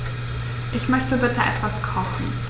Ich möchte bitte etwas kochen.